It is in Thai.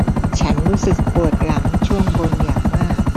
ฉันรู้สึกปวดหลังช่วงบนอย่างมาก